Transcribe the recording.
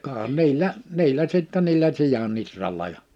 ka niillä niillä sitten niillä sian ihralla ja